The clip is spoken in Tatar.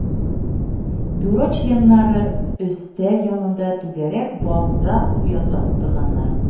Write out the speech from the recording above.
Бюро членнары өстәл янында түгәрәк балдак ясап утырганнар